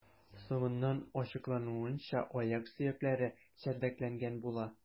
Соңыннан ачыклануынча, аяк сөякләре чәрдәкләнгән була.